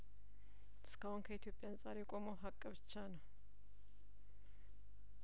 እስከአሁን ከኢትዮጵያ አንጻር የቆመው ሀቅ ብቻ ነው